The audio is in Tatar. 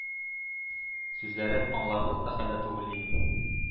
Сүзләрен аңларлык та хәлдә түгел идем.